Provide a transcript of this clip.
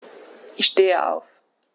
Ich stehe auf.